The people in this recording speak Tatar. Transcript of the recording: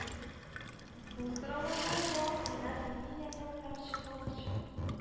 Бу сорауларга җавап кайнар линия ярдәмендә ачыкланачак